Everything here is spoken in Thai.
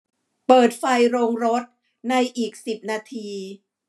เปิดไฟโรงรถในอีกสิบนาที